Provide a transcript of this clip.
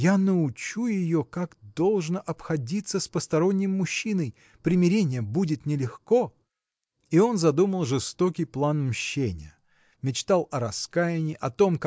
Я научу ее, как должно обходиться с посторонним мужчиной примирение будет не легко! И он задумал жестокий план мщения мечтал о раскаянии о том